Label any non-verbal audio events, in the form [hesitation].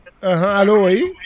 [hesitation] [hesitation] allo ouais